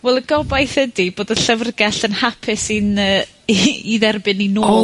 Wel y gobaith ydi bod y llyfrgell yn hapus i'n yy i i dderbyn ni nôl...